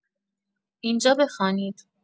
اینجا بخوانید